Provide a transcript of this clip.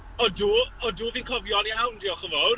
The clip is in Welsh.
Odw, odw fi'n cofio'n iawn, diolch yn fawr.